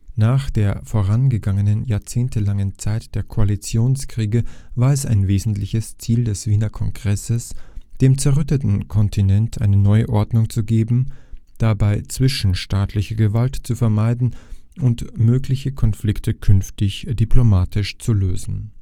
Nach der vorangegangenen jahrzehntelangen Zeit der Koalitionskriege war es ein wesentliches Ziel des Wiener Kongresses, dem zerrütteten Kontinent eine neue Ordnung zu geben, dabei zwischenstaatliche Gewalt zu vermeiden und mögliche Konflikte künftig diplomatisch zu lösen